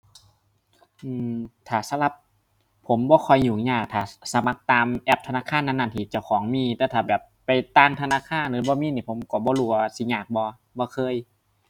อือ ถ้าสำหรับผมบ่ค่อยยุ่งยาก ถ้าสมัครตามแอปธนาคารนั้นนั้นที่เจ้าของมี แต่ถ้าแบบไปต่างธนาคาร หรือบ่มีนี่ผมก็บ่รู้ว่าสิยากบ่ บ่เคย